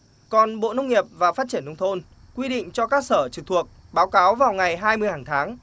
còn bộ nông nghiệp và phát triển nông thôn quy định cho các sở trực thuộc báo cáo vào ngày hai mươi hàng tháng